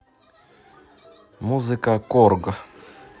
музыка корг